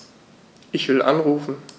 Ich will anrufen.